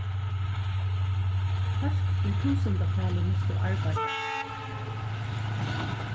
fólk í túsundatali mistu arbeiðið